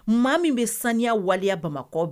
Maa min bɛ saniya waliya bamakɔ